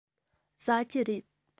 ཟ རྒྱུ རེད